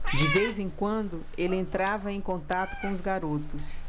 de vez em quando ele entrava em contato com os garotos